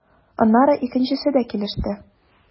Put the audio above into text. Аннары икенчесе дә килеште.